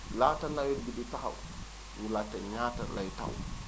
laata nawet bi di taxaw ñu laajte ñaata lay taw